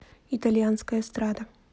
итальянская эстрада